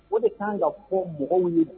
O de kan ka fɔ mɔgɔw ɲini